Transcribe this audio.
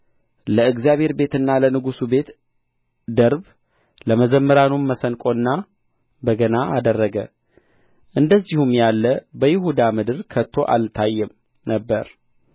ለእግዚአብሔር ቤትና ለንጉሡ ቤት ደርብ ለመዘምራኑም መሰንቆና በገና አደረገ እንደዚህም ያለ በይሁዳ ምድር ከቶ አልታየም ነበር